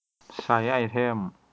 ใช้ไอเทม